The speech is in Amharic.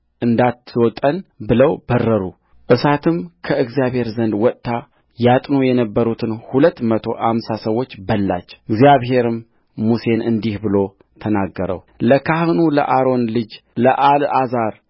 እንዳትውጠን ብለው በረሩእሳትም ከእግዚአብሔር ዘንድ ወጥታ ያጥኑ የነበሩትን ሁለት መቶ አምሳ ሰዎች በላችእግዚአብሔርም ሙሴን